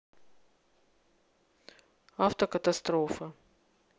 автокатастрофа